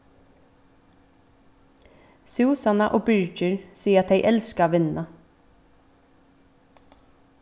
súsanna og birgir siga at tey elska at vinna